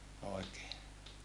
oikein